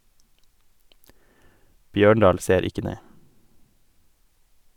Bjørndahl ser ikke ned.